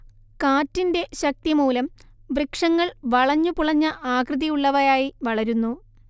കാറ്റിന്റെ ശക്തിമൂലം വൃക്ഷങ്ങൾ വളഞ്ഞുപുളഞ്ഞ ആകൃതിയുള്ളവയായി വളരുന്നു